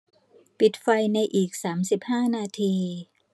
ปิดไฟในอีกสามสิบห้านาที